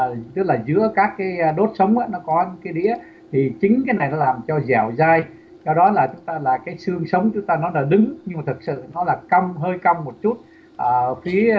ờ tức là giữa các cái đốt sống mượn nó có cái đĩa thì chính cái này làm cho dẻo dai sau đó là lá cây xương sống chúng ta nó là đứng nhưng thực sự nó là cong hơi cong một chút ở phía